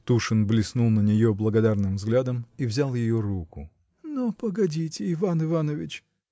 Тушин блеснул на нее благодарным взглядом и взял ее руку. — Но погодите, Иван Иванович!